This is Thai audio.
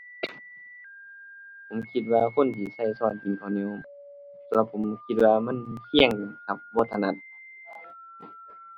ผมคิดว่าคนที่ใช้ใช้กินข้าวเหนียว สำหรับผมคิดว่ามันเคืองครับ บ่ถนัด